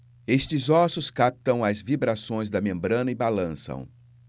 estes ossos captam as vibrações da membrana e balançam